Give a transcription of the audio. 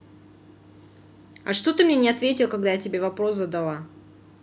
а что ты мне не ответил когда я тебе вопрос задала